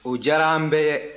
o diyara an bɛɛ ye